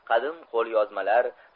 qadim qo'lyozmalar